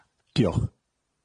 Dioch.